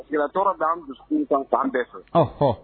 Yɛrɛ tɔrɔ b'an dusukun kan fan bɛɛ fɛ ɔhɔ